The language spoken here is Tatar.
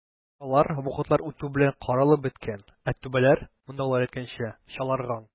Буралар вакытлар үтү белән каралып беткән, ә түбәләр, мондагылар әйткәнчә, "чаларган".